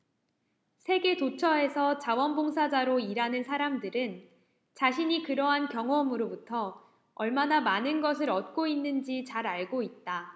세계 도처에서 자원 봉사자로 일하는 사람들은 자신이 그러한 경험으로부터 얼마나 많은 것을 얻고 있는지 잘 알고 있다